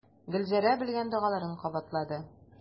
Гөлзәрә белгән догаларын кабатлады.